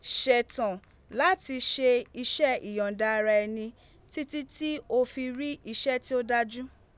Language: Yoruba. Ṣẹ̀tàn láti ṣe iṣẹ́ ìyọ̀ǹda ara ẹni títí tí o fi rí iṣẹ́ tí ó dájú.